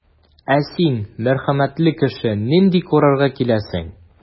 Ә син, мәрхәмәтле кеше, нинди карарга киләсең?